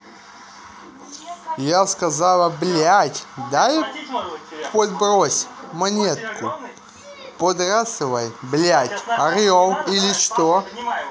я сказала блядь дай подбрось монетку подбрасывай блядь орел или что